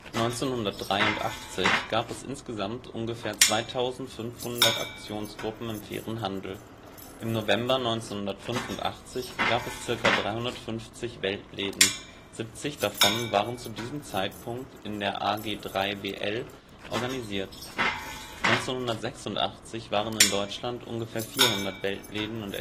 1983 gab es insgesamt ungefähr 2.500 Aktionsgruppen im Fairen Handel. Im November 1985 gab es ca. 350 Weltläden, 70 davon waren zu diesem Zeitpunkt in der AG3WL organisiert. 1986 waren in Deutschland ungefähr 400 Weltläden